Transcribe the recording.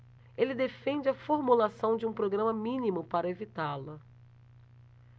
ele defende a formulação de um programa mínimo para evitá-la